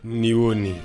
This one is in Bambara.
Ni y'o